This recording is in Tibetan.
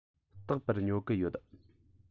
རྟག པར ཉོ གི ཡོད